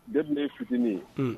Depuis ne fitini unh